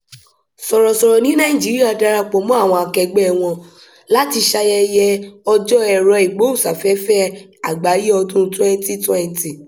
Sọ̀rọ̀sọ̀rọ̀ ní Nàìjíríà darapọ̀ mọ́ àwọn akẹgbẹ́-ẹ wọn láti sààmì ayẹyẹ Ọjọ́ Ẹ̀rọ-ìgbóhùnsáfẹ́fẹ́ Àgbáyé ọdún-un 2020